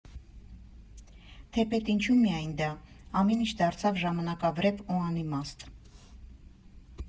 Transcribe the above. Թեպետ ինչու՞ միայն դա, ամեն ինչ դարձավ ժամանակավրեպ ու անիմաստ։